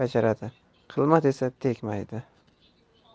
bajaradi qilma desa tegmaydi